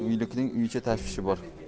uylikning uycha tashvishi bor